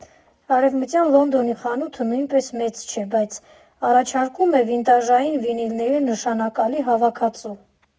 Արևմտյան Լոնդոնի խանութը նույնպես մեծ չէ, բայց առաջարկում է վինտաժային վինիլների նշանակալի հավաքածու։